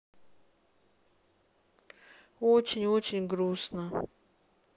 очень очень грустно